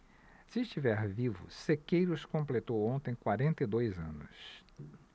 se estiver vivo sequeiros completou ontem quarenta e dois anos